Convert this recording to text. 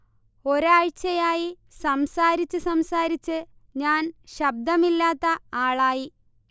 ഒരാഴ്ചയായി സംസാരിച്ച് സംസാരിച്ച് ഞാൻ ശബ്ദമില്ലാത്ത ആളായി